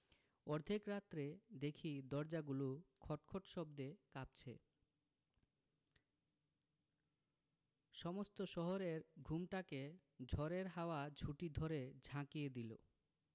অর্ধেক রাত্রে দেখি দরজাগুলো খটখট শব্দে কাঁপছে সমস্ত শহরের ঘুমটাকে ঝড়ের হাওয়া ঝুঁটি ধরে ঝাঁকিয়ে দিলো